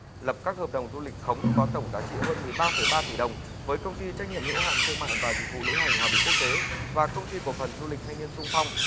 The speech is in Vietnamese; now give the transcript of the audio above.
lập các hợp đồng du lịch khống có tổng giá trị hơn mười ba phẩy ba tỷ đồng với công ty trách nhiệm hữu hạn thương mại và dịch vụ lữ hành hòa bình quốc tế và công ty cổ phần du lịch thanh niên xung phong